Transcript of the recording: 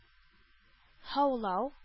Һаулау